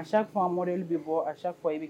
Chaque fois modèle bi bɔ a chaque fois i